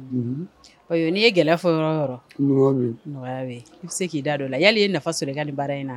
K'i' ye bara